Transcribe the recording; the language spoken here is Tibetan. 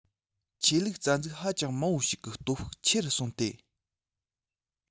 ཆོས ལུགས རྩ འཛུགས ཧ ཅང མང པོ ཞིག གི སྟོབས ཤུགས ཆེ རུ སོང སྟེ